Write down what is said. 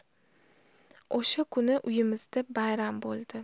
o'sha kuni uyimizda bayram bo'ldi